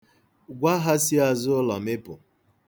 Gwa ha si azụ ụlọ mịpụ.